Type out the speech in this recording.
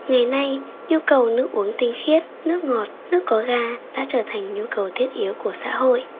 ngày nay nhu cầu nước uống tinh khiết nước ngọt nước có ga đã trở thành nhu cầu thiết yếu của xã hội